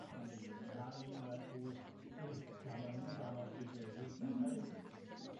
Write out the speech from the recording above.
'ma'n ddu a mae nghar i'n las tywyll. Ydi. A ma' hwnnw'n ddangos budreddi